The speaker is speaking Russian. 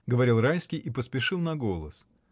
— говорил Райский и поспешил на голос.